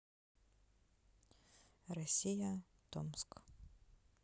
россия томск